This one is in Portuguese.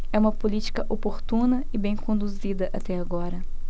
é uma política oportuna e bem conduzida até agora